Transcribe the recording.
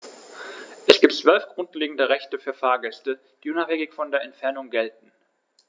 Es gibt 12 grundlegende Rechte für Fahrgäste, die unabhängig von der Entfernung gelten.